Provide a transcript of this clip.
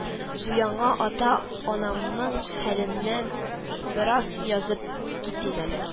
Бу яңа ата-анамның хәленнән бераз язып китим әле